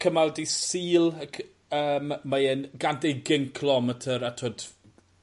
cymal dydd Sul ac yym mae e'n gant a ugen cilometer a t'wod